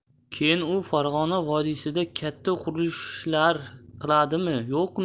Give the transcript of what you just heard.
keyin u farg'ona vodiysida katta qurilishlar qiladimi yo'qmi